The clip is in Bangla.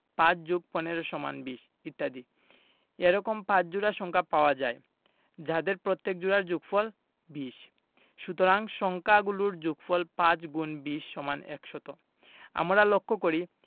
৫+১৫=২০ ইত্যাদি এরকম ৫ জোড়া সংখ্যা পাওয়া যায় যাদের প্রত্যেক জোড়ার যোগফল ২০ সুতরাং সংখ্যা গুলোর যোগফল ৫*২০=১০০ আমরা লক্ষ করি